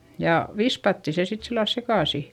ja vispattiin se sitten sillä lailla sekaisin